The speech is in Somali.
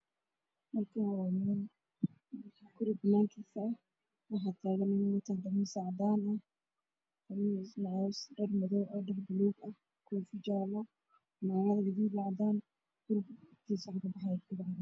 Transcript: Halkaan waa meel guri banaankii ah waxaa taagan nin wado darees cadaan ah dhar madow ah dhar baluug ah koofi jaallaa fanaanad gaduud cadaan guriga agtiisa ka baxaaya